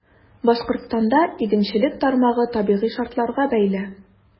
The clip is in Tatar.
Башкортстанда игенчелек тармагы табигый шартларга бәйле.